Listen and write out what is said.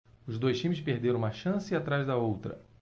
os dois times perderam uma chance atrás da outra